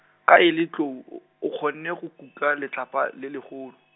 ka e le tlou o, o kgonne go kuka letlapa, le legolo.